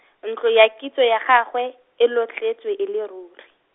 ntlo ya kitso ya gagwe, e lotletswe e le rure.